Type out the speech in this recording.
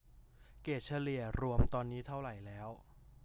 เกรดเฉลี่ยรวมตอนนี้เท่าไหร่แล้ว